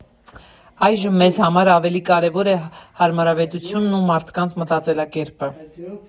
Այժմ մեզ համար ավելի կարևոր է հարմարավետությունն ու մարդկանց մտածելակերպը։